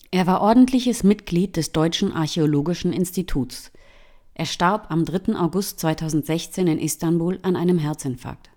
Er war ordentliches Mitglied des Deutschen Archäologischen Instituts. Er starb am 3. August 2016 in Istanbul an einem Herzinfarkt